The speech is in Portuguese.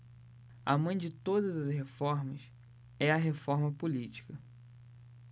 a mãe de todas as reformas é a reforma política